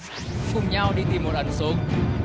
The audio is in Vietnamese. cùng nhau đi tìm một ẩn số